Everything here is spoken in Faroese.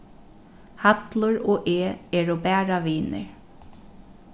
hallur og eg eru bara vinir